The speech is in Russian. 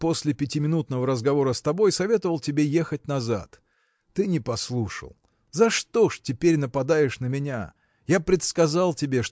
после пятиминутного разговора с тобой советовал тебе ехать назад? Ты не послушал. За что ж теперь нападаешь на меня? Я предсказал тебе